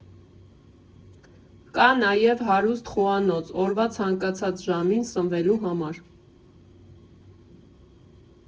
Կա նաև հարուստ խոհանոց՝ օրվա ցանկացած ժամին սնվելու համար։